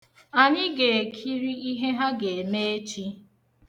Anyị ga-ekiri ihe ha ga-eme echi.